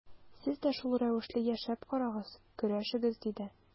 Сез дә шул рәвешле яшәп карагыз, көрәшегез, диде.